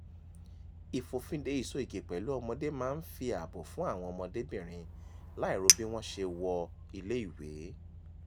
Ìfòfinde ìsoyìgì pẹ̀lú ọmọdé máa ń fi ààbò fún àwọn ọmọdébìnrin, láì ro bí wọ́n ṣe wọ ilé ìwé.